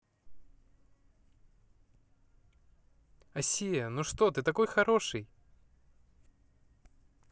асия ну что ты такой хороший